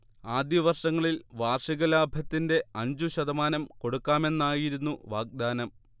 ആദ്യവർഷങ്ങളിൽ വാർഷിക ലാഭത്തിന്റെ അഞ്ചു ശതമാനം കൊടുക്കാമെന്നായിരുന്നു വാഗ്ദാനം